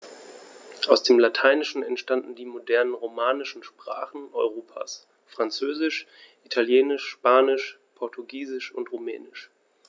Aus dem Lateinischen entstanden die modernen „romanischen“ Sprachen Europas: Französisch, Italienisch, Spanisch, Portugiesisch und Rumänisch.